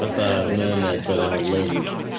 Fatha mermaid o'r enw Lyn.